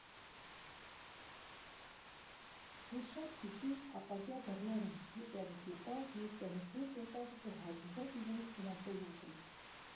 Դե շատ գիտի՝ ապակյա դռներ են, մի տեղից մտավ, մյուս տեղից դուրս եկավ ու հայտնվեց իրենց գրասենյակում։